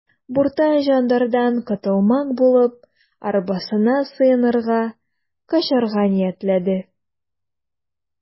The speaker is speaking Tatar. Буртай жандардан котылмак булып, арбасына сыенырга, качарга ниятләде.